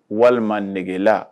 Walima negela